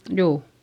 juu